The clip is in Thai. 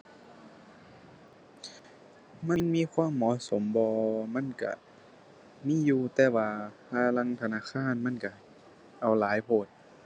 มันมีความเหมาะสมบ่ มันก็มีอยู่ แต่ว่าห่าลางธนาคารมันก็เอาหลายโพด